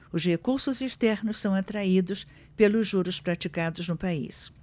os recursos externos são atraídos pelos juros praticados no país